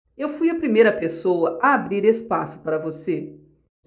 eu fui a primeira pessoa a abrir espaço para você